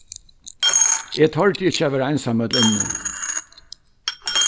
eg tordi ikki at vera einsamøll inni